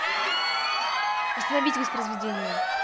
остановить воспроизведение